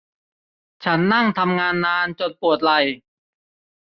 ฉันนั่งทำงานนานจนปวดไหล่